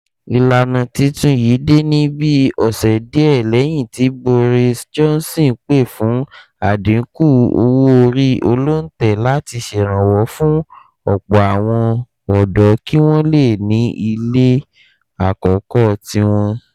Ìlànà tuntun yìí dé ní bíi ọ̀ṣẹ díẹ̀ lẹ́yìn tí Boris Johnson pè fún àdínkù owó orí olóǹtẹ̀ láti ṣèrànwọ́ fún ọ̀pọ̀ àwọn ọ̀dọ̀ kí wọ́n le ní ilé àkọ̀kọ̀ tiwọ́n.